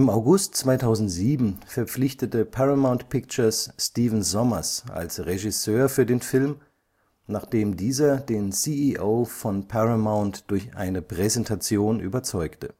August 2007 verpflichtete Paramount Pictures Stephen Sommers als Regisseur für den Film, nachdem dieser den CEO von Paramount durch eine Präsentation überzeugte